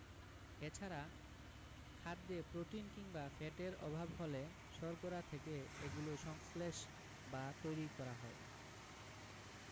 এছাড়া খাদ্যে প্রোটিন কিংবা ফ্যাটের অভাব হলে শর্করা থেকে এগুলো সংশ্লেষ বা তৈরী করা হয়